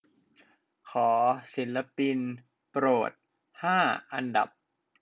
ขอศิลปินโปรดห้าอันดับ